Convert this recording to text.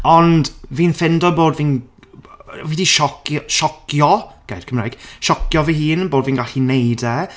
Ond, fi'n ffindo bod fi'n... fi 'di sioci- siocio gair Cymraeg! Siocio fy hun, bod fi'n gallu wneud e.